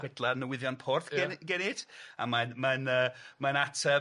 Chwedla newyddion porth gene- genwt a mae'n mae'n yy mae'n ateb